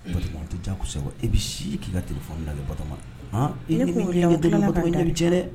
Ba tɛ ja sabu i bɛ si k'i ka tf da ba ma i ye kunma ɲɛ bɛ cɛ dɛ